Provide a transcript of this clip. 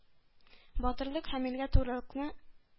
Батырлык һәм илгә турылыкны